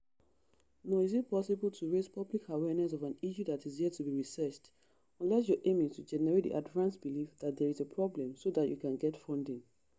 Nor is it possible to raise public awareness of an issue that is yet to be researched, unless your aim is to generate the advance belief that there is a problem so that you can get funding.